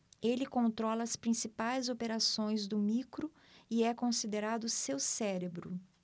ele controla as principais operações do micro e é considerado seu cérebro